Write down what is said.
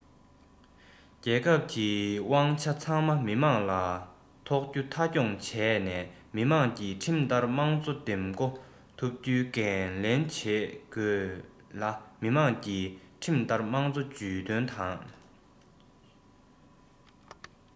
རྒྱལ ཁབ ཀྱི དབང ཆ ཚང མ མི དམངས ལ གཏོགས རྒྱུ མཐའ འཁྱོངས བྱས ནས མི དམངས ཀྱིས ཁྲིམས ལྟར དམངས གཙོ འདེམས བསྐོ ཐུབ རྒྱུའི འགན ལེན བྱེད དགོས ལ མི དམངས ཀྱིས ཁྲིམས ལྟར དམངས གཙོ ཇུས འདོན དང